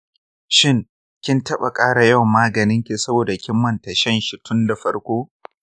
shin kin taɓa ƙara yawan maganinki saboda kin manta shan shi tun da farko?